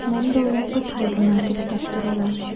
Монда вакытлы гына туктап торыла.